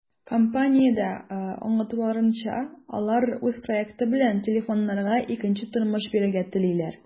Компаниядә аңлатуларынча, алар үз проекты белән телефоннарга икенче тормыш бирергә телиләр.